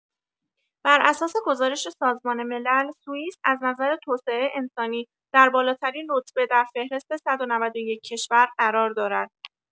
بر اساس گزارش سازمان ملل سوییس از نظر توسعه انسانی در بالاترین رتبه در فهرست ۱۹۱ کشور قرار دارد.